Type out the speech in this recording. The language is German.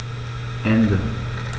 Ende.